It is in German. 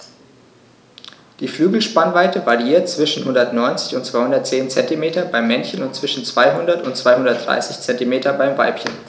Die Flügelspannweite variiert zwischen 190 und 210 cm beim Männchen und zwischen 200 und 230 cm beim Weibchen.